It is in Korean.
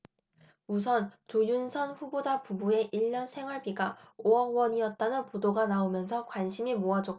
우선 조윤선 후보자 부부의 일 년 생활비가 오 억 원이었다는 보도가 나오면서 관심이 모아졌고요